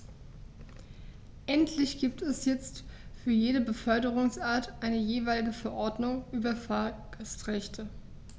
Endlich gibt es jetzt für jede Beförderungsart eine jeweilige Verordnung über Fahrgastrechte.